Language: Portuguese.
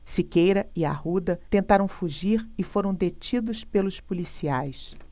siqueira e arruda tentaram fugir e foram detidos pelos policiais